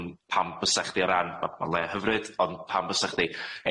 yn pam bysa chdi o ran ma' ma' le hyfryd ond pam bysa chdi?